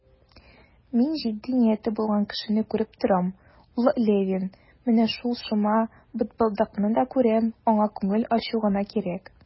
Мин җитди нияте булган кешене күреп торам, ул Левин; менә шул шома бытбылдыкны да күрәм, аңа күңел ачу гына кирәк.